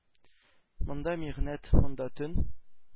Монда михнәт, монда төн,